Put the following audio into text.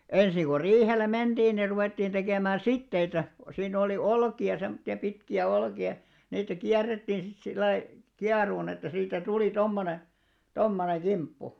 ensin kun riihelle mentiin niin ruvettiin tekemään siteitä siinä oli olkia semmoisia pitkiä olkia niitä kierrettiin sitten sillä lailla kieroon että siitä tuli tuommoinen tuommoinen kimppu